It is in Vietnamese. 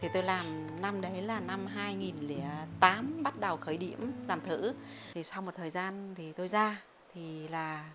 thì tôi làm năm đấy là năm hai nghìn lẻ tám bắt đầu khởi điểm làm thử thì sau một thời gian thì tôi ra thì là